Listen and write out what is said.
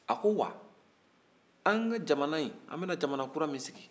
a ko wa an ka jamana in an bɛna jamana kura min sigi